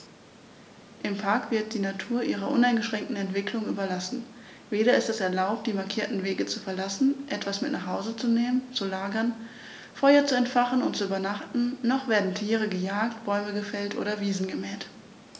Im Park wird die Natur ihrer uneingeschränkten Entwicklung überlassen; weder ist es erlaubt, die markierten Wege zu verlassen, etwas mit nach Hause zu nehmen, zu lagern, Feuer zu entfachen und zu übernachten, noch werden Tiere gejagt, Bäume gefällt oder Wiesen gemäht.